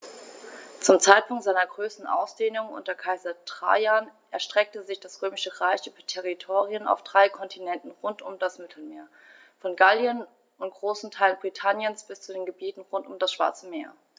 Zum Zeitpunkt seiner größten Ausdehnung unter Kaiser Trajan erstreckte sich das Römische Reich über Territorien auf drei Kontinenten rund um das Mittelmeer: Von Gallien und großen Teilen Britanniens bis zu den Gebieten rund um das Schwarze Meer.